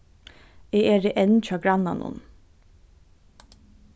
eg eri enn hjá grannanum